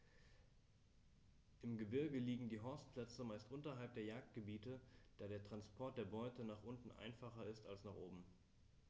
Im Gebirge liegen die Horstplätze meist unterhalb der Jagdgebiete, da der Transport der Beute nach unten einfacher ist als nach oben.